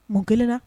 Mun kelen na?